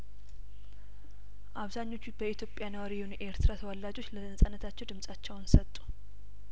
አብዛኞቹ በኢትዮጵያ ነዋሪ የሆኑ ኤርትራ ተወላጆች ለነጻነታቸው ድምጻቸውን ሰጡ